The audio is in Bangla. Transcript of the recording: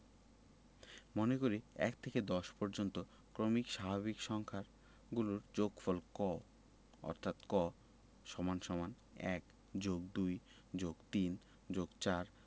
মনে করি ১ থেকে ১০ পর্যন্ত ক্রমিক স্বাভাবিক সংখ্যাগুলোর যোগফল ক অর্থাৎ ক = ১+২+৩+৪